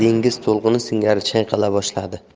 dengiz to'lqini singari chayqala boshladi